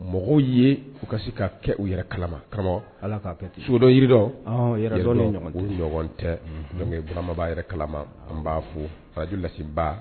Mɔgɔw ye u ka se ka kɛ u yɛrɛ kalama karamɔgɔ allah k'a kɛ so dɔn jiri dɔn yɛrɛ dɔn de ɲɔgɔn tɛ Burama ba'a yɛrɛ kalama an b'a fo radio